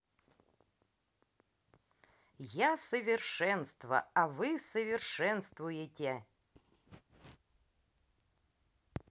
я совершенство а вы совершенствуете